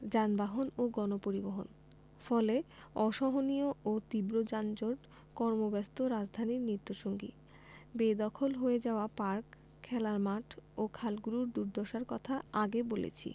যানবাহন ও গণপরিবহন ফলে অসহনীয় ও তীব্র যানজট কর্মব্যস্ত রাজধানীর নিত্যসঙ্গী বেদখল হয়ে যাওয়া পার্ক খেলার মাঠ ও খালগুলোর দুর্দশার কথা আগে বলেছি